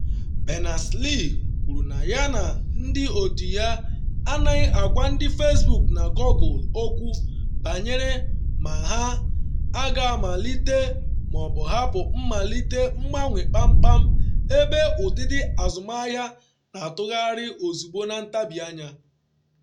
Berners-Lee kwuru na ya ndị otu ya anaghị agwa ndị “Facebook na Google okwu banyere ma ha a ga-amalite ma ọ bụ hapụ mmalite mgbanwe kpamkpam ebe ụdịdị azụmahịa na-atụgharị ozugbo na ntabi anya.